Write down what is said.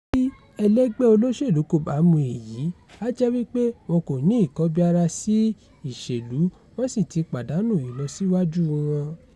Bí ẹlẹ́gbẹ́ olóṣèlú kò bá mọ èyí, a jẹ́ wípé wọn kò ní ìkọbiarasí ìṣèlú wọ́n sì ti pàdánù ìlọsíwájúu wọn.